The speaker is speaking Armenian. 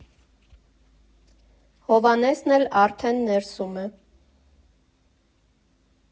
Հովհաննեսն էլ արդեն ներսում է։